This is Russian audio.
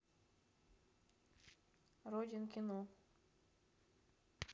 родин кино